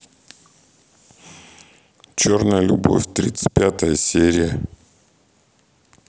черная любовь тридцать пятая серия